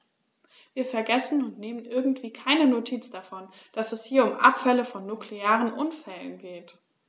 Wir vergessen, und nehmen irgendwie keine Notiz davon, dass es hier um Abfälle von nuklearen Unfällen geht.